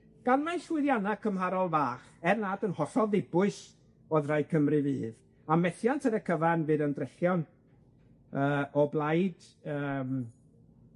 Gan mai llwyddianna cymharol fach, er nad yn hollol ddibwys o'dd rhai Cymru Fydd, a methiant ar y cyfan fydd ymdrechion yy o blaid yym